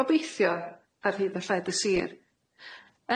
Gobeithio ar hyd a lled y sir.